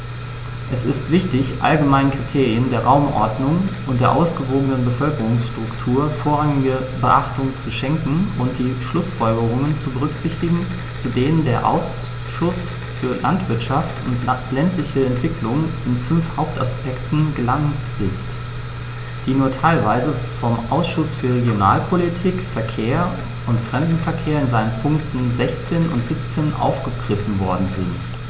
Es ist wichtig, allgemeinen Kriterien der Raumordnung und der ausgewogenen Bevölkerungsstruktur vorrangige Beachtung zu schenken und die Schlußfolgerungen zu berücksichtigen, zu denen der Ausschuss für Landwirtschaft und ländliche Entwicklung in fünf Hauptaspekten gelangt ist, die nur teilweise vom Ausschuss für Regionalpolitik, Verkehr und Fremdenverkehr in seinen Punkten 16 und 17 aufgegriffen worden sind.